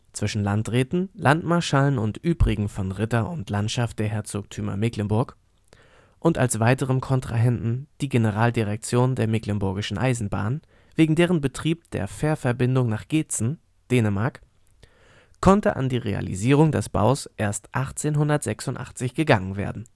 zwischen „ Landräten, Landmarschallen und übrigen von Ritter und Landschaft der Herzogtümer Mecklenburg “und als weiterem Kontrahenten die Generaldirektion der Mecklenburgischen Eisenbahnen wegen deren Betrieb der Fährverbindung nach Gedser (Dänemark) um die Kosten konnte an die Realisierung des Baus erst 1896 gegangen werden